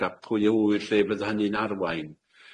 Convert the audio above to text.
a pwy a ŵyr lle fydda' hynny'n arwain.